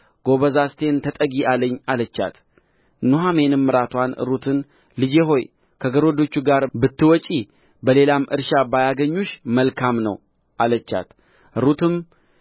ጐበዛዝቴን ተጠጊ አለኝ አለቻት ኑኃሚንም ምራትዋን ሩትን ልጄ ሆይ ከገረዶቹ ጋር ብትወጪ በሌላም እርሻ ባያገኙሽ መልካም ነው አለቻት ሩትም